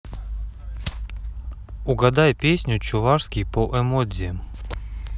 угадай песню чувашский по эмодзи